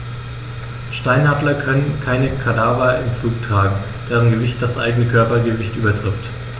Steinadler können keine Kadaver im Flug tragen, deren Gewicht das eigene Körpergewicht übertrifft.